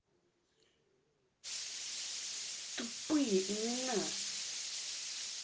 тупые имена